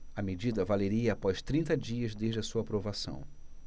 a medida valeria após trinta dias desde a sua aprovação